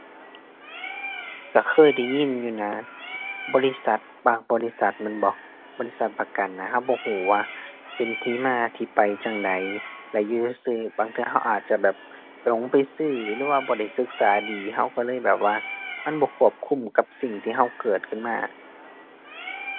ก็เคยได้ยินอยู่นะ บริษัทบางบริษัทแม่นบ่ บริษัทประกันน่ะก็บ่ก็ว่าเป็นที่มาที่ไปจั่งใด แล้วอยู่ซื่อซื่อบางเทื่อก็อาจจะแบบหลงไปซื้อหรือว่าบ่ได้ศึกษาดี ก็ก็เลยแบบว่ามันบ่ควบคุมกับสิ่งที่ก็เกิดขึ้นมา